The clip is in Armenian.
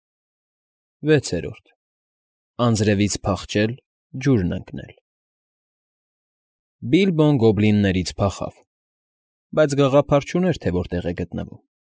ՎԵՑԵՐՈՐԴ ԱՆՁՐԵՎԻՑ ՓԱԽՉԵԼ, ՋՈՒՐՆ ԸՆԿՆԵԼ Բիլբոն գոբլիններից փախավ, բայց գաղափար չուներ, թե որտեղ է գտնվում։